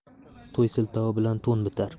to'y siltovi bilan to'n bitar